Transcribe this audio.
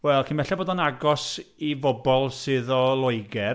Wel, cyn belled bod o'n agos i bobl sydd o Loegr.